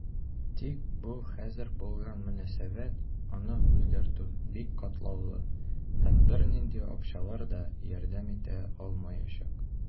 Тик бу хәзер булган мөнәсәбәт, аны үзгәртү бик катлаулы, һәм бернинди акчалар да ярдәм итә алмаячак.